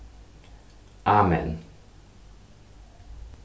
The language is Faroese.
amen